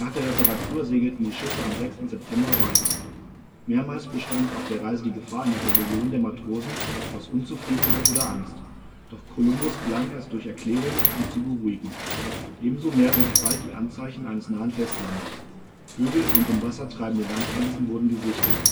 der Reparatur segelten die Schiffe am 6. September weiter. Mehrmals bestand auf der Reise die Gefahr einer Rebellion der Matrosen aus Unzufriedenheit oder Angst, doch Kolumbus gelang es durch Erklärungen sie zu beruhigen, ebenso mehrten sich bald die Anzeichen eines nahen Festlandes: Vögel und im Wasser treibende Landpflanzen wurden gesichtet